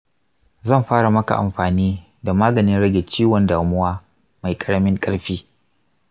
zan fara maka amfani da maganin rage ciwon damuwa mai ƙaramin ƙarfi.